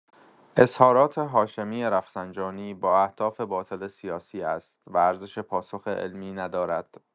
اظهارات هاشمی‌رفسنجانی با اهداف باطل سیاسی است و ارزش پاسخ علمی ندارد.